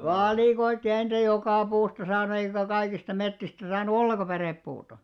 valikoitiin ja ei niitä joka puusta saanut eikä kaikista metsistä saanut ollenkaan pärepuuta